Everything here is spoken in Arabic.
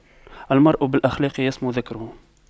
المرء بالأخلاق يسمو ذكره